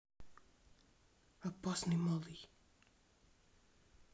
опасный малый